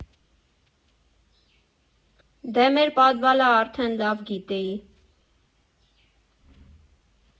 Դե մեր պադվալը արդեն լավ գիտեի։